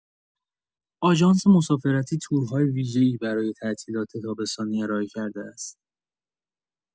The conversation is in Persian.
آژانس مسافرتی تورهای ویژه‌ای برای تعطیلات تابستانی ارائه کرده است.